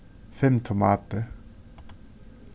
fimm tomatir